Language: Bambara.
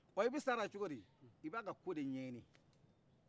wa i bɛ s'ala cogodi ib'a ka ko de ɲɛɲini